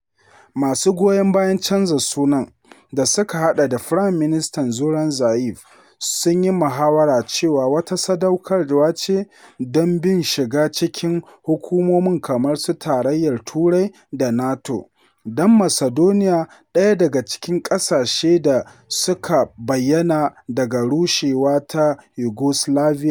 Masu goyon bayan canza sunan, da suka haɗa da Firaminista Zoran Zaev, sun yi mahawara cewa wata sadaukarwa ce don bin shiga cikin hukumomin kamar su Tarayyar Turai da NATO don Macedonia, ɗaya daga cikin ƙasashe da suka bayyana daga rushewa ta Yugoslavia.